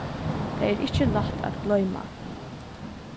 tað er ikki lætt at gloyma